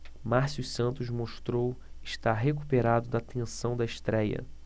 márcio santos mostrou estar recuperado da tensão da estréia